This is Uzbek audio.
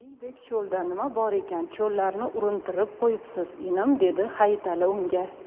biydek cho'lda nima bor ekan chollarni urintirib qo'yibsiz inim dedi hayitali unga